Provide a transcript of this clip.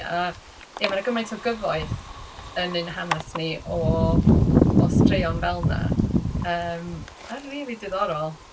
Ia ma' 'na gymaint o gyfoeth yn ein hanes ni o o straeon fel 'na, yym a rili diddorol.